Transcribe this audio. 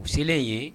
U selen in ye